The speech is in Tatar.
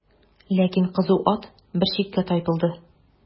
Ләкин кызу ат бер читкә тайпылды.